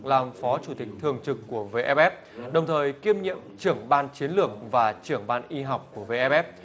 làm phó chủ tịch thường trực của vê ép ép đồng thời kiêm nhiệm trưởng ban chiến lược và trưởng ban y học của vê ép ép